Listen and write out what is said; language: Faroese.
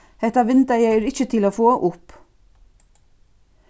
hetta vindeygað er ikki til at fáa upp